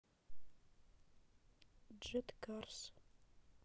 джет карс